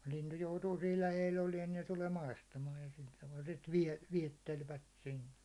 lintu joutuu siinä lähellä olemaan niin se tulee maistamaan ja sillä tavalla sitten - viettelevät sinne